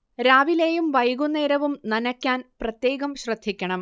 രാവിലെയും വൈകുന്നേരവും നനക്കാൻ പ്രത്യേകം ശ്രദ്ധിക്കണം